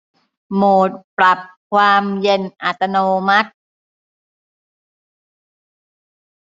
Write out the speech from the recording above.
โหมดปรับความเย็นอัตโนมัติ